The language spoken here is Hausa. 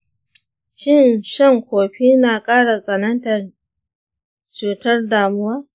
shin shan kofi na ƙara tsananta cutar damuwa?